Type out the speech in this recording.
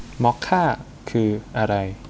มอคค่าคืออะไร